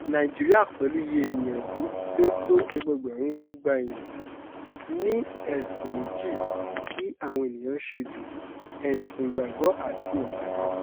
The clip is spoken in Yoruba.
Nàìjíríà, pẹ̀lú iye ènìyàn ìlú tí ó tó ẹgbẹẹgbẹ̀rún 200 èèyàn, ní ẹ̀sìn méjì tí àwọn ènìyàn-án ń ṣe jù: ẹ̀sìn Ìgbàgbọ́ àti Ìmàle.